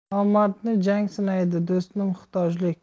nomardni jang sinaydi do'stni muhtojlik